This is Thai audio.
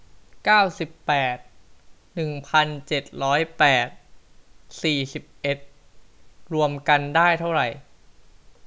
เก้าสิบแปดหนึ่งพันเจ็ดร้อยแปดสี่สิบเอ็ดรวมกันได้เท่าไหร่